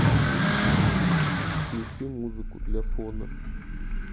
включи музыку для фона